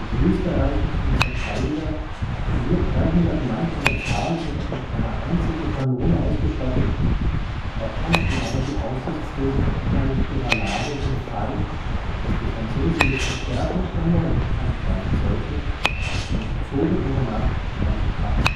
österreichischen Verteidiger, nur 300 Mann an der Zahl und mit einer einzigen Kanone ausgestattet, erkannten aber die Aussichtslosigkeit ihrer Lage im Fall, dass die Franzosen mit Verstärkung erneut angreifen sollten, und zogen in der Nacht heimlich ab